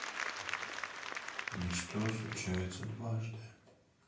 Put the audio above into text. ничто случается дважды